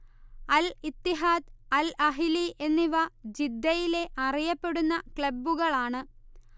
അൽ Ittihad Al Ahli എന്നിവ ജിദ്ദയിലെ അറിയപ്പെടുന്ന ക്ലബ്ബുകളാണ്